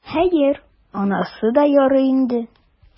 Хәер, анысы да ярый инде.